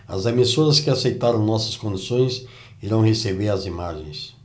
as emissoras que aceitaram nossas condições irão receber as imagens